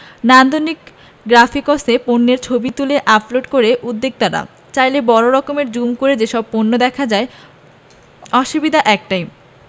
নান্দনিক গ্রাফিকসে পণ্যের ছবি তুলে আপলোড করেন উদ্যোক্তারা চাইলে বড় আকারে জুম করে সেসব পণ্য দেখা যায় অসুবিধা একটাই